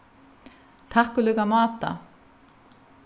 takk í líka máta